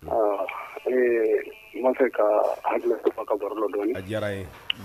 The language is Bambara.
Aa ee n'a fɛ ka hakilidu ka bɔ la dɔn i ka diyara ye